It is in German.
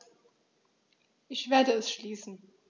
Ich werde es schließen.